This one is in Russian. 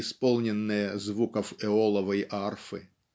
исполненная звуков Эоловой арфы.